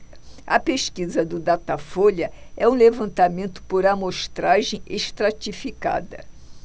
a pesquisa do datafolha é um levantamento por amostragem estratificada